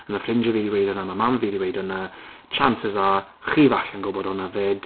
A mae ffrindiau fi 'di weud hwnna, mae mam fi 'di weud hwnna. Chances are chi falle'n gwybod hwnna 'fyd.